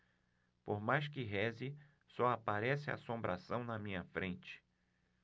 por mais que reze só aparece assombração na minha frente